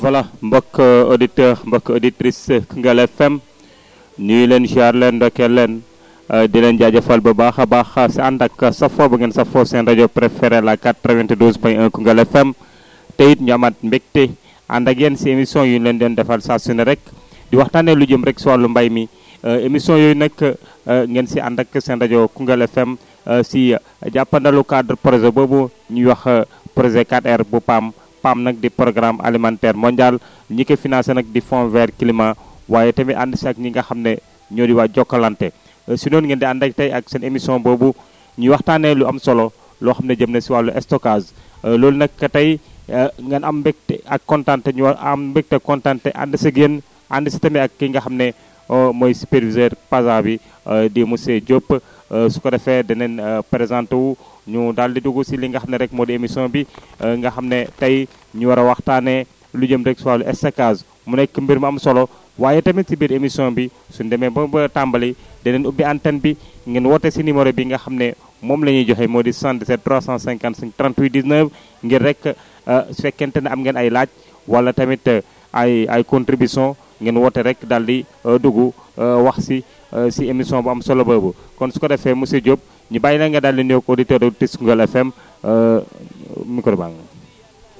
voilà mbokku auditeurs mbokku auditrices Koungheul FM nuyu leen ziar leen ndokkeel leen di leen jaajëfal bu baax a baax si ànd ak safoo bi ngeen safoo seen rajo préférée la 92 point 1 Koungheul FM tey it ñu amaat mbégte ànd ak yéen si émission yi ñu leen doon defal saa su ne rek di waxtaanee lu jëm rek si wàllu mbéy mi émission yooyu nag ngeen siy ànd ak seen rajo Kougheul FM si jàppandalu cadre projet boobu ñuy wax projet 4R bu PAM PAM nag di programme alimentaire mondial ñi ko financé nag di Fond vert climat waaye tamit ànd si ak ñii nga xam ne ñoo di waa Jokalante si noonu ngeen di ànd ak tey seen émission boobu ñuy waxtaanee lu am solo loo xam ne jëm na si wàllu stockage loolu nag tey ngeen am mbégte ak kontaante ñu am mbégte kontaante ànd seeg yéen ànd si tamit ak ki nga xam ne mooy superviseur PAZA bi di monsieur Diop su ko defee danañ présenté wu ñu daal di dugg si li nga xam ne rek moo di émission bi nga xam ne tey ñu war a waxtaanee lu jëm rek si wàllu stockage mu nekk mbir mu am solo waaye tamit si biir émission bi su ñu demee ba bëgg a tàmbali dinañ ubbi antenne bi ngeen woote si numéro bi nga xam ne moom la ñu joxe moo di 77 356 38 19 ngir rek su fekkente ne am ngeen ay laaj wala tamit ay ay contributions ngeen woote rek daal di dugg wax si si émission bu am solo boobu kon su ko defee monsieur Diop ñu bàyyi la nga daal di nuyoo ak auditeurs auditrices Koungheul FM micro baa ngi noonu